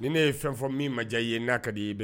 N ye fɛn fɔ min ma diya ye, n'a ka di i bɛ